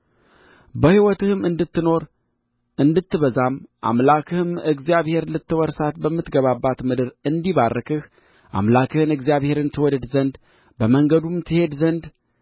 በሕይወትም እንድትኖር እንድትባዛም አምላክህም እግዚአብሔር ልትወርሳት በምትገባባት ምድር እንዲባርክህ አምላክህን እግዚአብሔርን ትወድድ ዘንድ በመንገዱም ትሄድ ዘንድ